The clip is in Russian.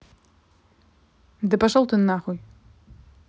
да пошел ты нахуй